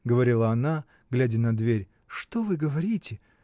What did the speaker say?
— говорила она, глядя на дверь, — что вы говорите?.